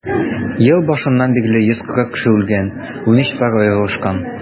Ел башыннан бирле 140 кеше үлгән, 13 пар аерылышкан.